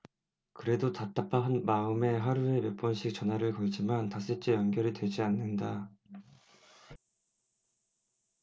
그래도 답답한 마음에 하루에 몇 번씩 전화를 걸지만 닷새째 연결이 되지 않는다